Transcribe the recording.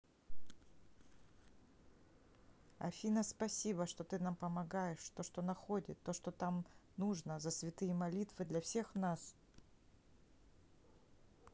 афина спасибо что ты нам помогаешь то что находит то что там нужно за святые молитвы для всех нас